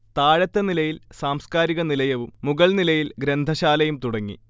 താഴത്തെ നിലയിൽ സാംസ്കാരിക നിലയവും മുകൾനിലയിൽ ഗ്രന്ഥശാലയും തുടങ്ങി